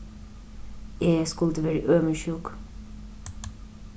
eg skuldi verið øvundsjúk